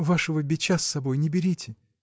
— Вашего бича с собой не берите!.